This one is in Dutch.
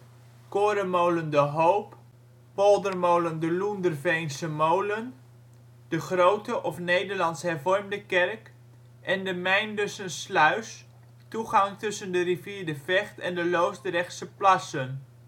Korenmolen De Hoop Poldermolen de Loenderveense Molen De Grote - of Nederlands Hervormde Kerk De Mijndense sluis, toegang tussen de rivier De Vecht en de Loosdrechtse plassen